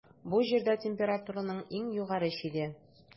Бу - Җирдә температураның иң югары чиге.